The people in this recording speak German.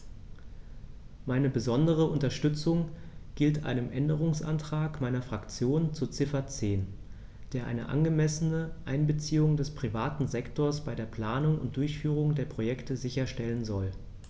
Meine besondere Unterstützung gilt einem Änderungsantrag meiner Fraktion zu Ziffer 10, der eine angemessene Einbeziehung des privaten Sektors bei der Planung und Durchführung der Projekte sicherstellen soll.